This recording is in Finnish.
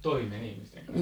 toimeen ihmisten kanssa